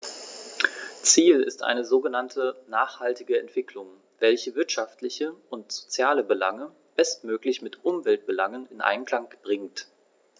Ziel ist eine sogenannte nachhaltige Entwicklung, welche wirtschaftliche und soziale Belange bestmöglich mit Umweltbelangen in Einklang bringt.